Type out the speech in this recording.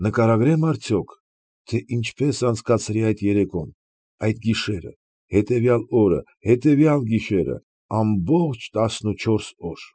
Նկարագրե՞մ արդյոք, թե ինչպես անցկացրի այդ երեկոն, այդ գիշերը, հետևյալ օրը, հետևյալ գիշերը, ամբողջ տասնուչորս օր։